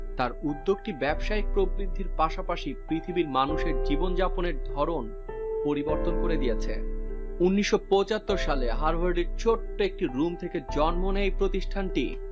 তার উদ্যোগটি ব্যবসায়িক প্রবৃত্তির পাশাপাশি পৃথিবীর মানুষের জীবনযাপনের ধরন পরিবর্তন করে দিয়েছে ১৯৭৫ সালে হার্ভার্ডের একটি রুম থেকে জন্ম নেয় প্রতিষ্ঠানটি